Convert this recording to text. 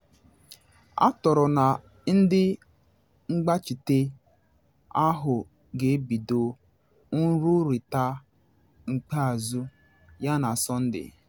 Atọrọ na ndị mgbachite ahụ ga-ebido nrụrịta ikpeazụ ya na Sọnde.